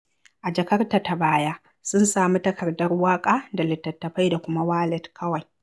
A jakarta ta baya, sun samu takardar waƙa da littattafai da kuma walet kawai.